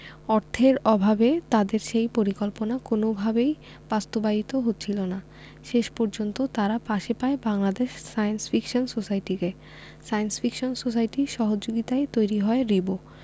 অর্থের অভাবে তাদের সেই পরিকল্পনা কোনওভাবেই বাস্তবায়িত হচ্ছিল না শেষ পর্যন্ত তারা পাশে পায় বাংলাদেশ সায়েন্স ফিকশন সোসাইটিকে সায়েন্স ফিকশন সোসাইটির সহযোগিতায়ই তৈরি হয় রিবো